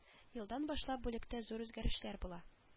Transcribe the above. Елдан башлап бүлектә зур үзгәрешләр була